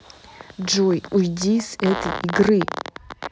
джой уйдите с этой игры